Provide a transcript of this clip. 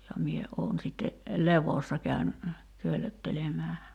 ja minä olen sitten levossa käyn köllöttelemään